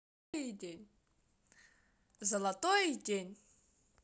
золотой день